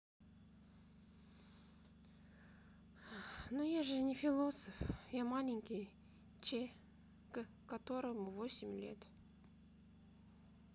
ну я же не философ я маленький че к которому восемь лет